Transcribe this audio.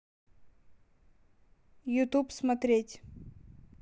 ютуб смотреть